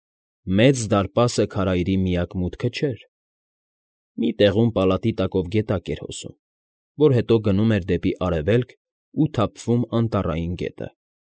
Մեծ դարպասը քարայրի միակ մուտքը չէր… Մի տեղում պալատի տակով գետակ էր հոսում, որ հետո գնում էր դեպի Արևելք ու թափվում Անտառային գետը։